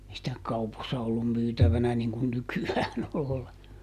ei sitä kaupoissa ollut myytävänä niin kun nykyään -